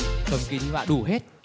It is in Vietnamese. thầm kín và đủ hết